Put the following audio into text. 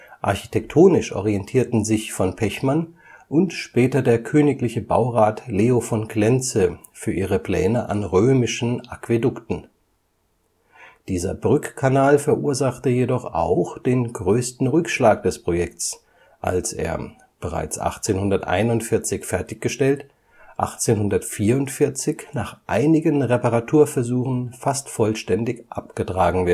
Architektonisch orientierten sich von Pechmann und später der königliche Baurat Leo von Klenze für ihre Pläne an römischen Aquädukten. Dieser Brückkanal verursachte jedoch auch den größten Rückschlag des Projekts, als er, bereits 1841 fertiggestellt, 1844 nach einigen Reparaturversuchen fast vollständig abgetragen